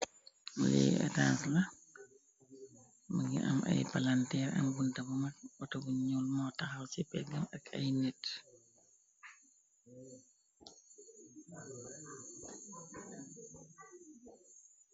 Lee etass la. Mi ngi am ay palanteer am bunta bu mag, oto bu ñul moo taxaw ci peggam ak ay nit.